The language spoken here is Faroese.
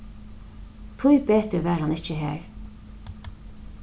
tíbetur var hann ikki har